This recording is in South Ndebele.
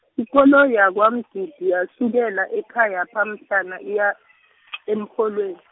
ikoloyi yakwaMgidi yasukela ekhayapha mhlana iya , erholweni.